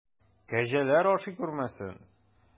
Кәҗәләр ашый күрмәсен!